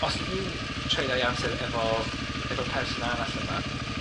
os ydyn nw'n treulio'i amser efo efo person arall yma